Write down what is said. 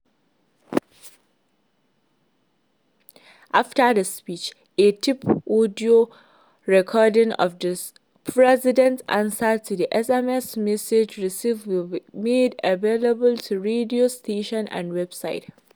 After the speech, a taped audio recording of the President’s answers to the SMS messages received will be made available to radio stations and websites.